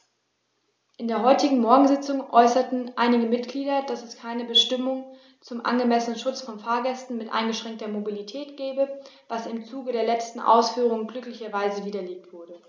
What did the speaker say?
In der heutigen Morgensitzung äußerten einige Mitglieder, dass es keine Bestimmung zum angemessenen Schutz von Fahrgästen mit eingeschränkter Mobilität gebe, was im Zuge der letzten Ausführungen glücklicherweise widerlegt wurde.